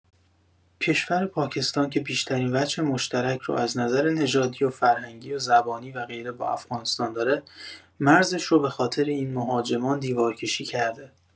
کشور پاکستان که بیشترین وجه مشترک رو از نظر نژادی و فرهنگی و زبانی و غیره با افغانستان داره، مرزش رو بخاطر این مهاجمان دیوارکشی کرده